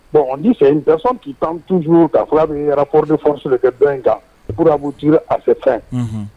Bondi fɛ in k'i pan tunuru ka kura min yɛrɛoro ni fɔsi kɛ don in kan burabu a se fɛn